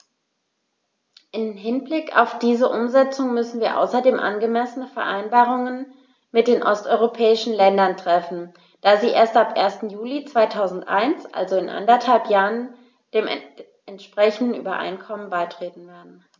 Im Hinblick auf diese Umsetzung müssen wir außerdem angemessene Vereinbarungen mit den osteuropäischen Ländern treffen, da sie erst ab 1. Juli 2001, also in anderthalb Jahren, den entsprechenden Übereinkommen beitreten werden.